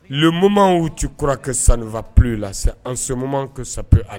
Um ci kɔrɔ kɛ sanfa p pe lase an soma ka sap ale